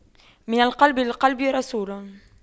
من القلب للقلب رسول